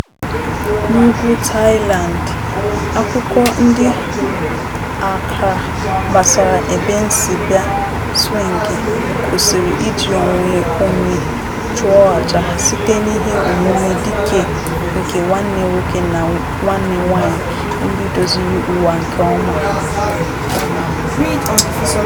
N'ugwu Thailand, akụkọ ndị Akha gbasara ebensibịa swịngị kuziri iji onwe onye chụọ aja site nihe omume dike nke nwanne nwoke na nwanne nwaanyị ndị doziri ụwa nke ọma.